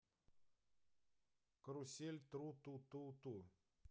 карусель тру ту ту ту